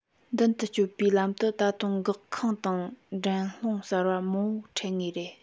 མདུན དུ སྐྱོད པའི ལམ དུ ད དུང དཀའ ཁག དང འགྲན སློང གསར པ མང པོ འཕྲད ངེས རེད